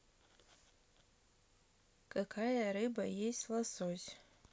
какая рыба есть лосось